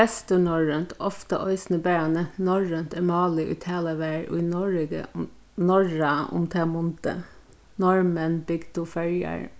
vesturnorrønt ofta eisini bara nevnt norrønt er málið ið talað varð í noregi um tað mundið norðmenn bygdu føroyar